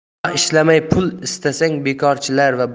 dunyo ishlamay pul istagan bekorchilar va